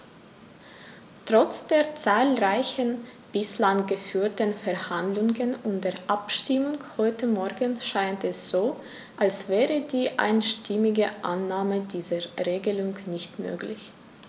Trotz der zahlreichen bislang geführten Verhandlungen und der Abstimmung heute Morgen scheint es so, als wäre die einstimmige Annahme dieser Regelung nicht möglich.